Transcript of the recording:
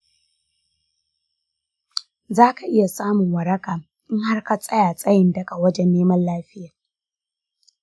za ka iya samun waraka in har ka tsaya tsayin daka wajen neman lafiya.